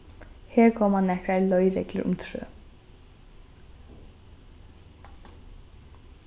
her koma nakrar leiðreglur um trø